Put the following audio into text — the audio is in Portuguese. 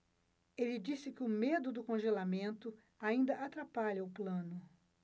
ele disse que o medo do congelamento ainda atrapalha o plano